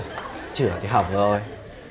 chửa thì hỏng rồi